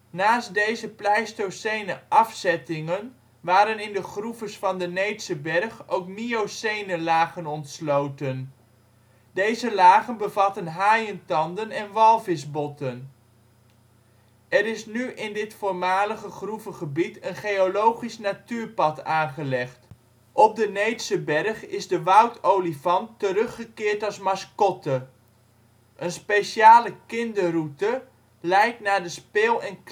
Naast deze Pleistocene afzettingen waren in de groeves van de Needse Berg ook Miocene lagen ontsloten. Deze lagen bevatten haaientanden en walvisbotten. Er is nu in dit voormalige groevegebied een Geologisch natuurpad aangelegd. Op de Needse berg is de woudolifant teruggekeerd als mascotte. Een speciale kinderroute leidt naar de speel - en